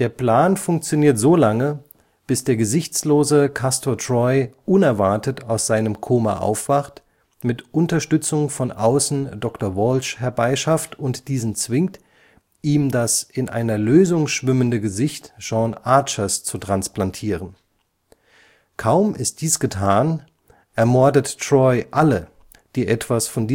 Plan funktioniert solange, bis der gesichtslose Castor Troy unerwartet aus seinem Koma aufwacht, mit Unterstützung von außen Dr. Walsh herbeischafft und diesen zwingt, ihm das in einer Lösung schwimmende Gesicht Sean Archers zu transplantieren. Kaum ist dies getan, ermordet Troy alle, die etwas von